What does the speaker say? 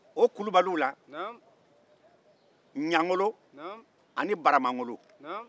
o kulubaliw la ɲangolo ani baramangolo